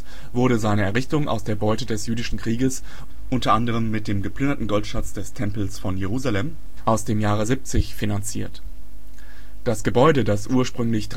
wurde seine Errichtung aus der Beute des jüdischen Krieges, unter anderem mit dem geplünderten Goldschatz des Tempels von Jerusalem aus dem Jahr 70 finanziert. Das Gebäude, das ursprünglich dreigeschossig